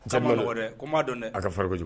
Tiyamu man nɔkɔ dɛ . An ba dɔn dɛ a ka fari koyi.